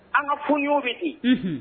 An ka foyi y'o bɛ di